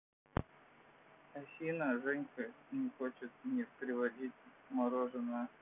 афина женька не хочет мне приводить мороженое